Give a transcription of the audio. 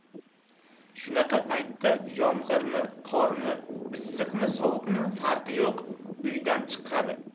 shunaqa paytda yomg'irmi qormi issiqmi sovuqmi farqi yo'q uydan chiqadi